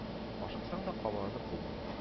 Ашыксаң да кабаланып булмый